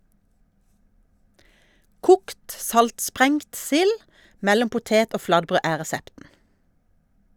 Kokt saltsprengt sild mellom potet og flatbrød er resepten.